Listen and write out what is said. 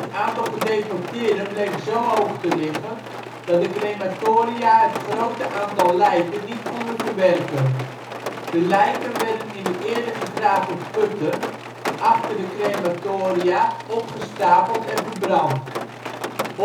aantal gedeporteerden bleek zo hoog te liggen dat de crematoria het grote aantal lijken niet konden verwerken. De lijken werden in de eerder gegraven putten achter de crematoria opgestapeld en verbrand. Horthy